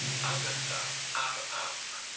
Yn gyntaf, ar am.